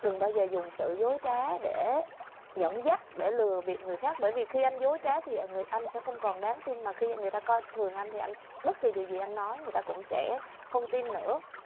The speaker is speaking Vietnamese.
đừng bao giờ dùng sự dối trá để dẫn dắt để lừa bịp người khác bởi vì khi anh dối trá thì người ăn sẽ không còn đáng tin mà khi người ta coi thường anh thì anh bất kỳ điều gì anh nói người ta cũng sẽ không tin nữa